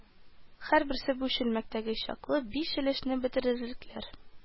Һәрберсе бу чүлмәктәге чаклы биш өлешне бетерерлекләр